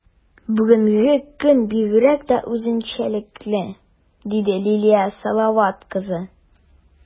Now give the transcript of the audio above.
Бүгенге көн бигрәк тә үзенчәлекле, - диде Лилия Салават кызы.